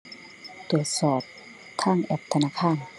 ตรวจสอบทางแอปธนาคาร